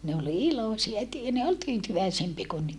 ne oli iloisia - ne oli tyytyväisempiä kuin nyt